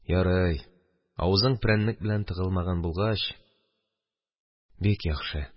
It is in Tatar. Ярый, авызың прәннек белән тыгылмаган булгач, бик яхшы.